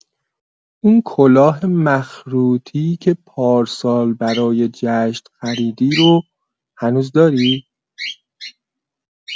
اون کلاه مخروطی که پارسال برای جشن خریدی رو هنوز داری؟